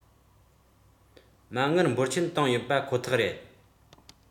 མ དངུལ འབོར ཆེན བཏང ཡོད པ ཁོ ཐག རེད